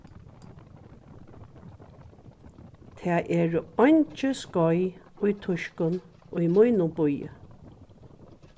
tað eru eingi skeið í týskum í mínum býi